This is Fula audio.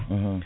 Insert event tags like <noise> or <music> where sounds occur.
<hesitation> <hesitation>